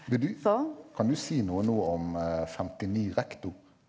vil du kan du si noe nå om 59 ?